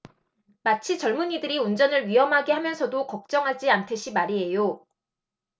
마치 젊은이들이 운전을 위험하게 하면서도 걱정하지 않듯이 말이에요